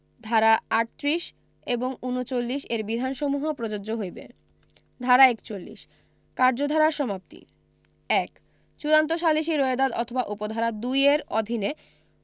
ধারা ৩৮ এবং ৩৯ এর বিধানসসূহ প্রযোজ্য হইবে ধারা ৪১ কার্যধারার সমাপ্তি ১ চূড়ান্ত সালিসী রোয়েদাদ অথবা উপ ধারা ২ এর অধীনে